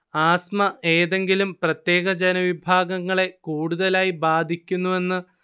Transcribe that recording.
asthma ഏതെങ്കിലും പ്രത്യേക ജനവിഭാഗങ്ങളെ കൂടുതലായി ബാധിക്കുന്നുവെന്ന്